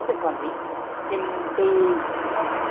về quản lý thì ừm từ kí năm